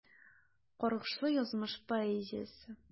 Каргышлы язмыш поэзиясе.